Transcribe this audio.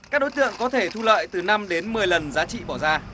các đối tượng có thể thu lợi từ năm đến mười lần giá trị bỏ ra